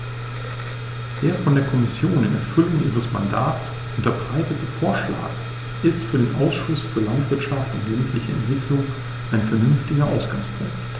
Der von der Kommission in Erfüllung ihres Mandats unterbreitete Vorschlag ist für den Ausschuss für Landwirtschaft und ländliche Entwicklung ein vernünftiger Ausgangspunkt.